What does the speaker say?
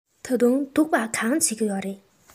ད དུང སྡུག པ གང བྱེད ཀྱི ཡོད རས